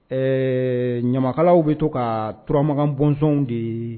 Ɛɛ ɲamakalaw bɛ to ka turamagan bɔnzw de ye